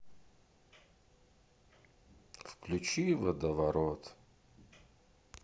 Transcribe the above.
включи водоворот